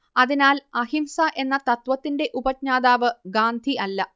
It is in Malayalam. അതിനാൽ അഹിംസ എന്ന തത്ത്വത്തിന്റെ ഉപജ്ഞാതാവ് ഗാന്ധി അല്ല